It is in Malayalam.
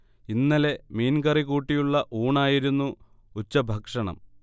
ഇന്നലെ മീൻ കറി കൂട്ടിയുള്ള ഊണായിരുന്നു ഉച്ചഭക്ഷണം